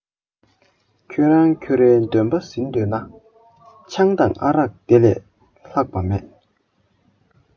ཁྱོད རང ཁྱོད རའི འདོད པ ཟིན འདོད ན ཆང དང ཨ རག དེ ལས ལྷག པ མེད